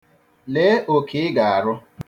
Lee oke ị ga-arụ.